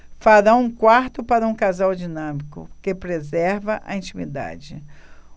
farão um quarto para um casal dinâmico que preserva a intimidade